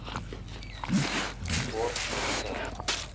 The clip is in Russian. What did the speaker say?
форд rammstein